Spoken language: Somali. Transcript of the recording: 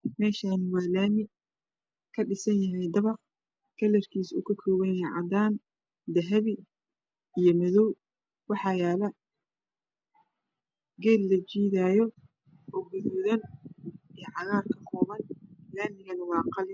Meeshaani waa laami ka dhisanyahay dabaq kalarkiisa uu ka koobanyahay cadaan dahabi iyo madow waxaa yaalo geed la jiidaayo oo guduudan iyo cagaar ka kooban laamigana wa qalin